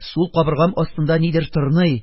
Сул кабыргам астында нидер тырный,